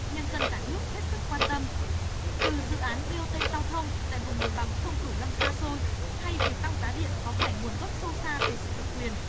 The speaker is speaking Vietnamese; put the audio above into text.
nhân dân cả nước hết sức quan tâm từ dự án bê ô tê giao thông tại vùng đồng bằng sông cửu long xa xôi hay việc tăng giá điện có phải nguồn gốc sâu xa từ sự độc quyền